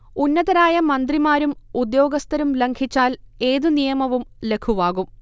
ഉന്നതരായ മന്ത്രിമാരും ഉദ്യോഗസ്ഥരും ലംഘിച്ചാൽ ഏത് നിയമവും ലഘുവാകും